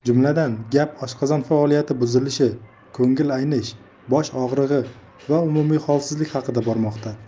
jumladan gap oshqozon faoliyati buzilishi ko'ngil aynish bosh og'rig'i va umumiy holsizlik haqida bormoqda